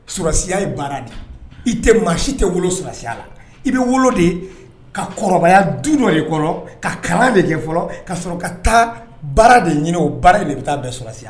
Sɔrɔdasiya ye baara de, i tɛ maa si tɛ wolo sɔrɔdasiya la, i bɛ wolo de ka kɔrɔbayaya du dɔ de kɔnɔ, ka kalan de kɛ fɔlɔ ka sɔrɔ taa baara de ɲini o baara in de bɛ taa bɛn sɔrɔdasiya ma